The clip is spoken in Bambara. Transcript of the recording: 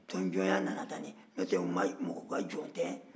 tɔnjɔnya nana tan de n'o tɛ mɔgɔ ka jɔnw tɛ